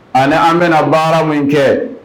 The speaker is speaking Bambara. Ani an bi na baara min kɛ.